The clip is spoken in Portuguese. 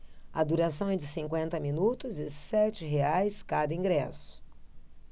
a duração é de cinquenta minutos a sete reais cada ingresso